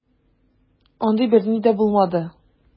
Андый берни дә булмады.